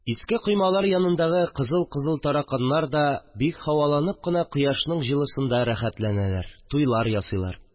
Иске коймалар янындагы кызыл-кызыл тараканнар да бик һаваланып кына кояшның җылысында рәхәтләнәләр, туйлар ясыйлар